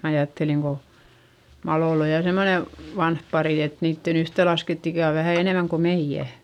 minä ajattelin kun Malolla on ja semmoinen vanha pari että niiden yhteenlaskettu ikä on vähän enemmän kuin meidän